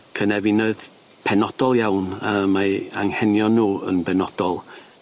cenefinoedd penodol iawn a mae anghenion nw yn benodol.